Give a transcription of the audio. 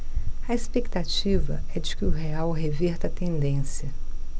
a expectativa é de que o real reverta a tendência